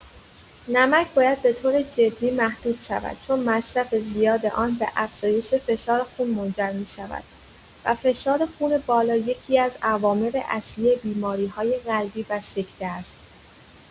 نمک باید به‌طور جدی محدود شود چون مصرف زیاد آن به افزایش فشار خون منجر می‌شود و فشار خون بالا یکی‌از عوامل اصلی بیماری‌های قلبی و سکته است.